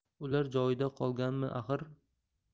ular joyida qolganmi axir